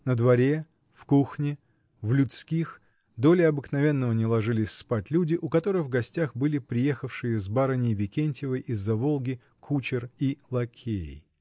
На дворе, в кухне, в людских долее обыкновенного не ложились спать люди, у которых в гостях были приехавшие с барыней Викентьевой из-за Волги кучер и лакей.